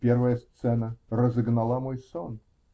Первая сцена разогнала мой сон.